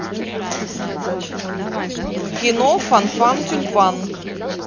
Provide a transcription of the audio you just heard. кино фанфан тюльпан